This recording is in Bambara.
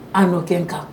En aucun cas